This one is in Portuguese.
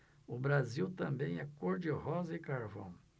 o brasil também é cor de rosa e carvão